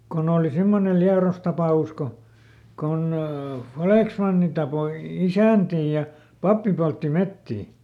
kun oli semmoinen Liedossa tapaus kun kun vallesmanni tappoi isäntiä ja pappi poltti metsiä